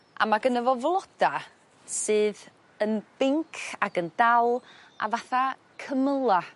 a ma' gynna fo floda sydd yn binc ac yn dal a fatha cymyla'